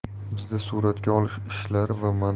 bizda suratga olish ishlari va